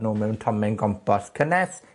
nw mewn tomen compos cynnes